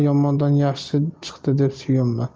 yomondan yaxshi chiqdi deb suyunma